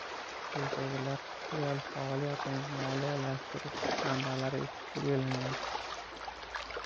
quyidagilar filial faoliyatini moliyalashtirish manbalari etib belgilanadi